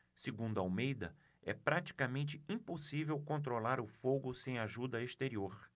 segundo almeida é praticamente impossível controlar o fogo sem ajuda exterior